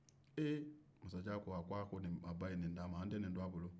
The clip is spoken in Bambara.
ee masajan ko k'a ko a ba ye nin d'ama an tɛ nin to a bolo